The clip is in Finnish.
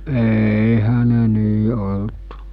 eihän ne niin ollut